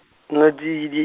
nnotsidi-.